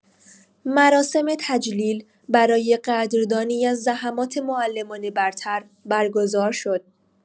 مراسم تجلیل برای قدردانی از زحمات معلمان برتر برگزار شد.